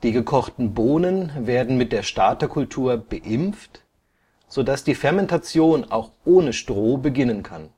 gekochten Bohnen werden mit der Starterkultur beimpft, so dass die Fermentation auch ohne Stroh beginnen kann